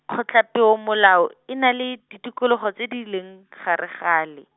Kgotlapeomolao, e na le, ditikologo tse di leng, gare ga le.